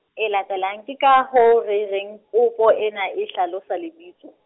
e latelang, ke ka hoo re reng popo, ena e hlalosa lebitso.